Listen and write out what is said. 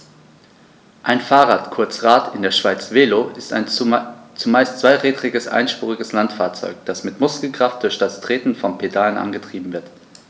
Ein Fahrrad, kurz Rad, in der Schweiz Velo, ist ein zumeist zweirädriges einspuriges Landfahrzeug, das mit Muskelkraft durch das Treten von Pedalen angetrieben wird.